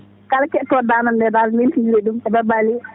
kala ke?otoo?o daande am ndee daal mi wetinirii ?um e Baba Aliou